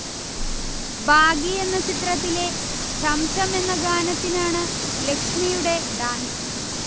'baggy' എന്ന ചിത്രത്തിലെ 'ഛംഛം' എന്ന ഗാനത്തിനാണു ലക്ഷ്മിയുടെ ഡാൻസ്